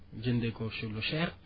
jëndee ko sa lu cher